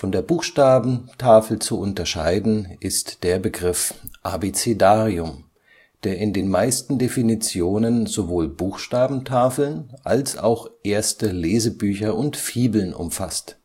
der Buchstabentafel zu unterscheiden ist der Begriff Abecedarium, der in den meisten Definitionen sowohl Buchstabentafeln als auch erste Lesebücher und Fibeln umfasst